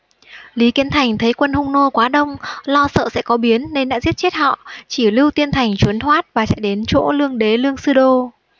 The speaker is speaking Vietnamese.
lý kiến thành thấy quân hung nô quá đông lo sợ sẽ có biến nên đã giết chết hết họ chỉ lưu tiên thành trốn thoát và chạy đến chỗ lương đế lương sư đô